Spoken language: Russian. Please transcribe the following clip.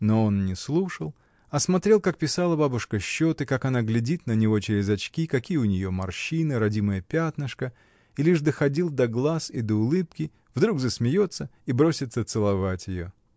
Но он не слушал, а смотрел, как писала бабушка счеты, как она глядит на него через очки, какие у нее морщины, родимое пятнышко, и лишь доходил до глаз и до улыбки, вдруг засмеется и бросится целовать ее.